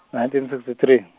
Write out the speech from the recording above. nineteen sixty three.